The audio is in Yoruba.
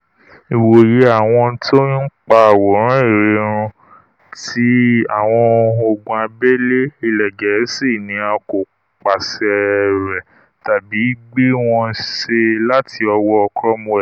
Ìwòye àwọn tí ńpa àwòrán èère run ti àwọn ogun abẹ́lé ilẹ̀ Gẹ̀ẹ́sì ni a kò pàṣẹ rẹ̀ tàbí gbé wọn ṣe láti ọwọ́ Cromwell.